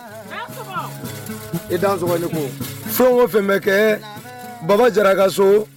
I dansali ko fo o fɛn bɛ kɛ baba jara ka so